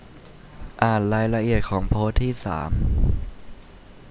อ่านรายละเอียดของโพสต์ที่สาม